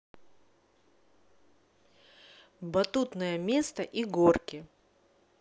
батутное место и горки